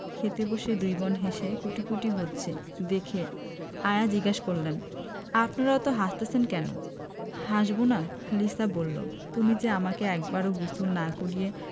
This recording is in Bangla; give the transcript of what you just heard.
খেতে বসে দুই বোন হেসে কুটিকুটি হচ্ছে দেখে আয়া জিজ্ঞেস করলেন আপনেরা অত হাসতাসেন ক্যান হাসবোনা লিসা বললো তুমি যে আমাকে একবারও গোসল না করিয়ে